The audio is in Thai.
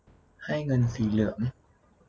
ให้เงินสีเหลือง